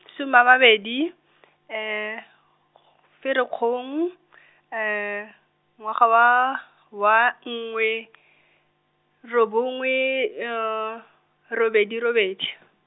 soma a mabedi , kg- Ferikgong , ngwaga wa, wa nngwe , robongwe , robedi robedi.